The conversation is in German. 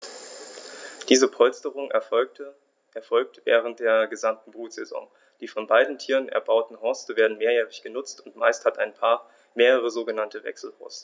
Diese Polsterung erfolgt während der gesamten Brutsaison. Die von beiden Tieren erbauten Horste werden mehrjährig benutzt, und meist hat ein Paar mehrere sogenannte Wechselhorste.